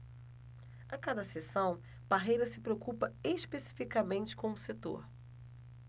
a cada sessão parreira se preocupa especificamente com um setor